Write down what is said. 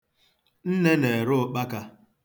Nne na-ere ụkpaka.